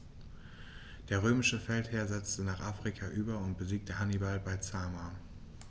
Der römische Feldherr setzte nach Afrika über und besiegte Hannibal bei Zama.